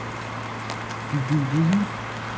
ты долбаеб